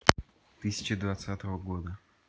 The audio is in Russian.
тысячи двадцатого года